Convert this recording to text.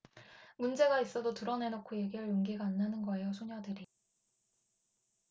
문제가 있어도 드러내놓고 얘기할 용기가 안 나는 거예요 소녀들이